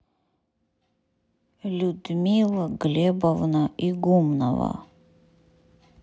людмила глебовна игумнова